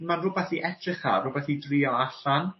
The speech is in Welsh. ma'n rwbath i edrych ar rwbath i drio allan.